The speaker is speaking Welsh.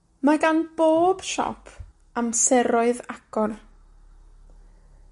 Ma' gan bob siop amseroedd agor.